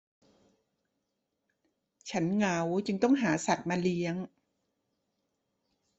ฉันเหงาจึงต้องหาสัตว์มาเลี้ยง